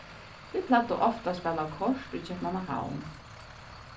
vit plagdu ofta at spæla kort í keypmannahavn